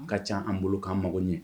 Ka can an bolo kan mago ɲɛ.